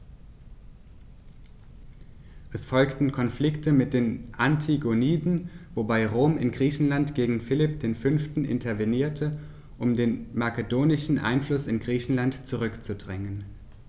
Es folgten Konflikte mit den Antigoniden, wobei Rom in Griechenland gegen Philipp V. intervenierte, um den makedonischen Einfluss in Griechenland zurückzudrängen.